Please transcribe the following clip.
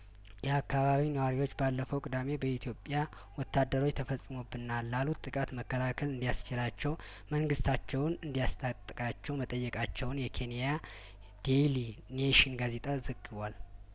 የአካባቢው ነዋሪዎች ባለፈው ቅዳሜ በኢትዮጵያ ወታደሮች ተፈጽሞብናል ላሉት ጥቃት መከላከል እንዲ ያስችላቸው መንግስታቸውን እንዲያስ ታጥቃቸው መጠየቃቸውን የኬንያ ዴይሊ ኔሽን ጋዜጣ ዘግቧል